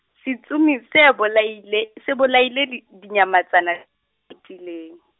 setsomi se bolaile, se bolaile di, di nyamatsana otileng.